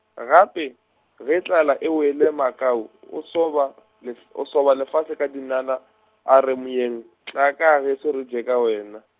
gape, ge tlala e wele makau, o soba lef-, o soba lefase ka dinala, a re moeng, tla ka gešo re je ka wena.